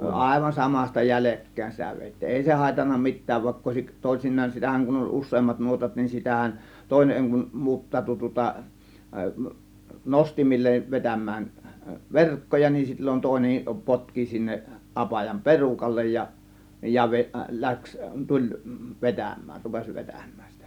aivan samasta jäljekkäin sitä vedettiin ei se haitannut mitään vaikka olisikin toisinaan sitähän kun oli useammat nuotat niin sitähän toinen kun muuttautui tuota nostimille vetämään verkkoja niin silloin toinen potki sinne apajan perukalle ja ja - lähti tuli vetämään rupesi vetämään sitä